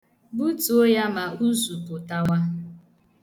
Butuo ya ma uzu pụtawa.